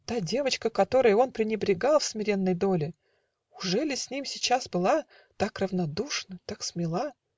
Та девочка, которой он Пренебрегал в смиренной доле, Ужели с ним сейчас была Так равнодушна, так смела?